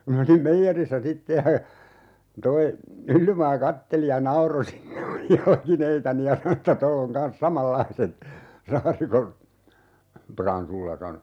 ja minä olin meijerissä sitten ja tuo Myllymaa katseli ja nauroi siinä minun jalkineitani ja sanoi että tuolla on kanssa samanlaiset Saarikon Pransulla sanoi